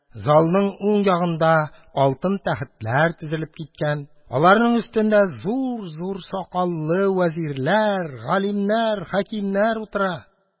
Залның уң ягында алтын тәхетләр тезелеп киткән, аларның өстендә зур-зур сакаллы вәзирләр, галимнәр, хәкимнәр утыра.